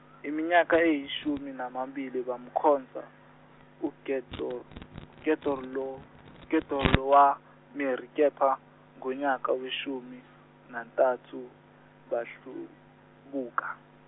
iminyaka eyishumi nambili bamkhonza, uGedo- Gedorlo- -Gedolwamere kepha, ngonyaka weshumi, nantathu, bahlubuka.